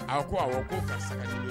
A ko aw ko ka